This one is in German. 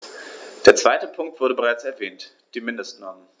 Der zweite Punkt wurde bereits erwähnt: die Mindestnormen.